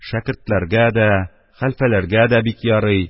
Шәкертләргә дә, хәлфәләргә дә бик ярый,